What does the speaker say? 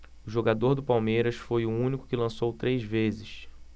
o jogador do palmeiras foi o único que lançou três vezes